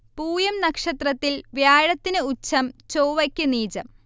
പൂയം നക്ഷത്രത്തിൽ വ്യാഴത്തിന് ഉച്ചം ചൊവ്വയ്ക്ക് നീചം